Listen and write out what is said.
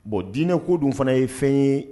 Bon diinɛ ko dun fana ye fɛn ye